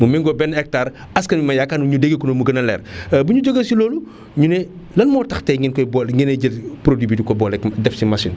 mu méngoo ak benn hactare askan mi ma yaakaar ñu déggee ko noonu mu gën a leer bu ñu jógee si loolu ñu ne lan moo tax tey ngeen koy boole ngeenay jël produit bi di ko booleeg def si machine